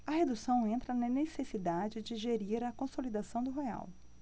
a redução entra na necessidade de gerir a consolidação do real